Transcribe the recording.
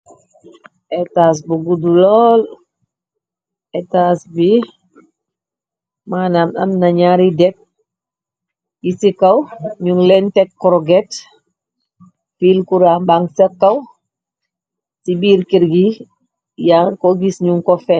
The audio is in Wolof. etas bu guddu lool etas bi manaam am na ñaari depk gi ci kaw ñu leeñ tek kroget fil kuram bang ca kaw ci biir kër gi yan ko gis ñu kofe